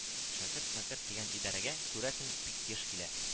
Шәкерт-мәкерт дигәнең идарәгә, күрәсең, бик еш килә